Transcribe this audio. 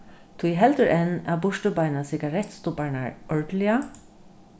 tí heldur enn at burturbeina sigarettstubbarnar ordiliga